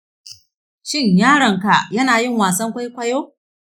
shin yaronka yana yin wasan kwaikwayo